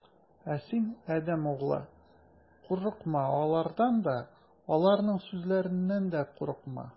Ә син, адәм углы, курыкма алардан да, аларның сүзләреннән дә курыкма.